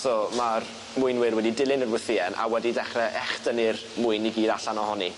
so ma'r mwynwyr wedi dilyn yr wythïen a wedi dechre echdynnu'r mwyn i gyd allan ohoni.